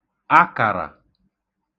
akàrà